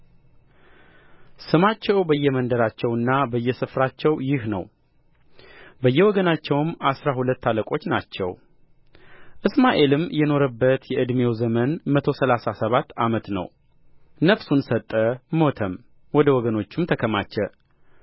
ስማቸውም በየመንደራቸውና በየሰፈራቸው ይኸው ነው በየወገናቸውም አሥራ ሁለት አለቆች ናቸው እስማኤልም የኖረበት የዕድሜው ዘመን መቶ ሠላሳ ሰባት ዓመት ነው ነፍሱን ሰጠ ሞተም ወደ ወገኖቹም ተከማቸ